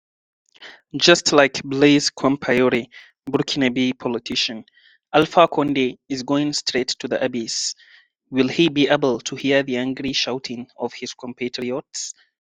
Just like Blaise Compaoré [Burkinabé politician] Alpha Condé is going straight to the abyss, Will he be able to hear the angry shouting of his compatriots?